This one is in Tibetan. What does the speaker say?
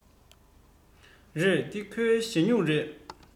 རེད འདི ཁོའི ཞ སྨྱུག རེད